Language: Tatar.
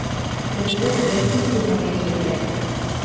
Безне беркем күрмәгән җирдә.